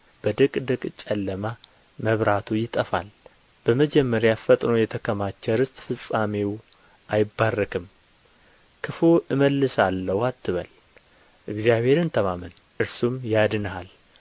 በጽቅድቅ ጨለማ መብራቱ ይጠፋል በመጀመሪያ ፈጥኖ የተከማቸ ርስት ፍጻሜው አይባረክም ክፉ እመልሳለሁ አትበል እግዚአብሔርን ተማመን እርሱም ያድንሃል